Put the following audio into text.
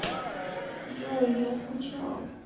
джой я скучал